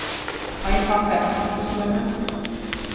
ein pakka av plantusmøri